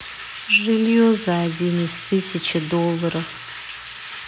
жилье за один из тысячи долларов